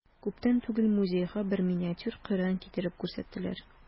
Күптән түгел музейга бер миниатюр Коръән китереп күрсәттеләр.